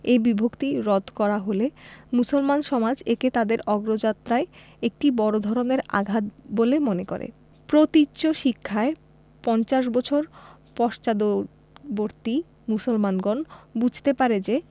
এ বিভক্তি রদ করা হলে মুসলমান সমাজ একে তাদের অগ্রযাত্রায় একটি বড় ধরনের আঘাত বলে মনে করে প্রতীচ্য শিক্ষায় পঞ্চাশ বছর পশ্চাদ্বর্তী মুসলমানগণ বুঝতে পারে যে